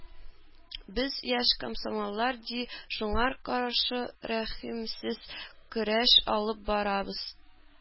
Без, яшь комсомоллар, ди, шуңар каршы рәхимсез көрәш алып барабыз.